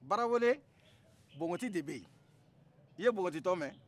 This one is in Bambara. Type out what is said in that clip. barawele bonbonti de beyi i ye bonbonti tɔgɔ mɛn